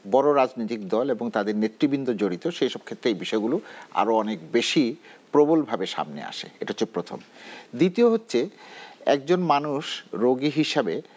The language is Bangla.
বড় রাজনৈতিক দল এবং তাদের নেতৃবৃন্দ জড়িত সেসব ক্ষেত্রে এ বিষয়গুলো আরও অনেক বেশি প্রবল ভাবে সামনে আসে এটা হচ্ছে প্রথম দ্বিতীয় হচ্ছে একজন মানুষ রোগী হিসেবে